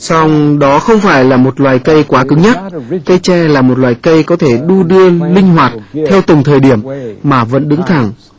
song đó không phải là một loài cây quá cứng nhắc cây tre là một loài cây có thể đu đưa linh hoạt theo từng thời điểm mà vẫn đứng thẳng